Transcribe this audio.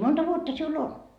monta vuotta sinulla on